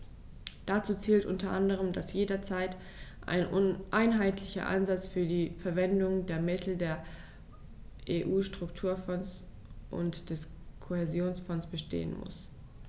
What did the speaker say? Dazu zählt u. a., dass jederzeit ein einheitlicher Ansatz für die Verwendung der Mittel der EU-Strukturfonds und des Kohäsionsfonds bestehen muss.